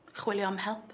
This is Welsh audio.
Chwilio am help?